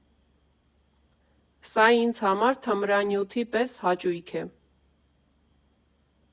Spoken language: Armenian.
Սա ինձ համար թմրանյութի պես հաճույք է։